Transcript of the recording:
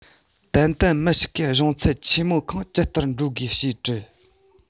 ཏན ཏན མི ཞིག གིས གཞུང ཚབ ཆེ མོ ཁང ཅི ལྟར འགྲོ དགོས ཞེས དྲིས